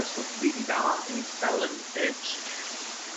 cyswllt rili dda yn isel yn pitch